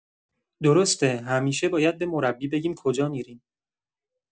درسته، همیشه باید به مربی بگیم کجا می‌ریم.